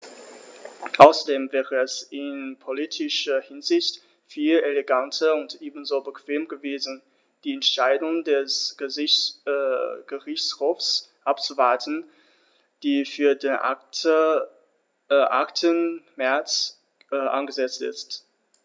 Außerdem wäre es in politischer Hinsicht viel eleganter und ebenso bequem gewesen, die Entscheidung des Gerichtshofs abzuwarten, die für den 8. März angesetzt ist.